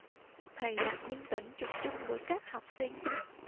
thầy đặng minh tuấn chụp chung với các học sinh